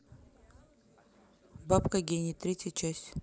бабка гренни третья часть